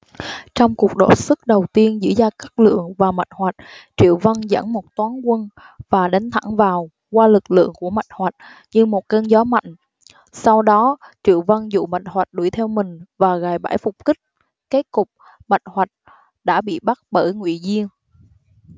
trong cuộc đọ sức đầu tiên giữa gia cát lượng và mạnh hoạch triệu vân dẫn một toán quân và đánh thẳng vào qua lực lượng của mạnh hoạch như một cơn gió mạnh sau đó triệu vân dụ mạnh hoạch đuổi theo mình và gài bẫy phục kích kết cục mạnh hoạch đã bị bắt bởi ngụy diên